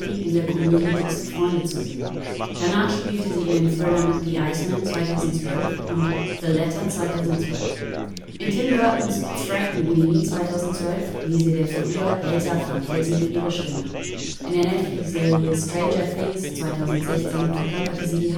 in der Komödie Dickste Freunde zu sehen. Danach spielte sie in den Thrillern The Iceman (2012) und The Letter (2012). In Tim Burtons Frankenweenie (2012) lieh sie der Figur Elsa Van Helsing ihre Stimme. In der Netflix-Serie Stranger Things (2016) verkörperte sie